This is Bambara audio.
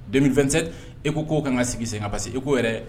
Denfɛnsen e ko'o ka sigi sen ka basi i ko yɛrɛ